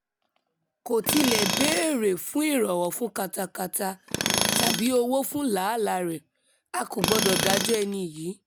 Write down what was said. Kò tilẹ̀ béèrè fún ìrànwọ́ fún katakata tàbí owó fún làálàáa rẹ̀. A kò gbọdọ̀ dájọ́ ẹni yìí.